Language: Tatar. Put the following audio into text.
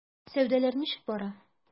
Сәүдәләр ничек бара?